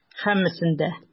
Һәммәсен дә.